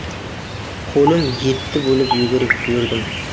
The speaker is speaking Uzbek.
qo'lim yetti bo'lib yugurib yurdim